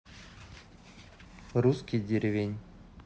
русский деревень